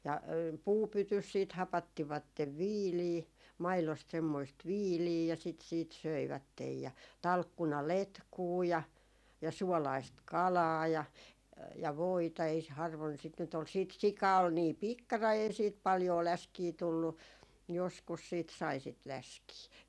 ja puupytyssä sitten hapattivat viiliä maidosta semmoista viiliä ja sitä sitten söivät ja talkkunaletkua ja ja suolaista kalaa ja ja voita ei - harvoin sitä nyt oli sitten sika oli niin pikkarainen ei siitä paljoa läskiä tullut joskus siitä sai sitä läskiä